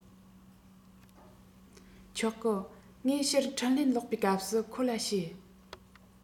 ཆོག གི ངས ཕྱིར འཕྲིན ལན ལོག པའི སྐབས སུ ཁོ ལ བཤད